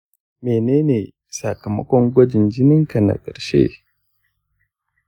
menene sakamakon gwajin jinin ka na karshe?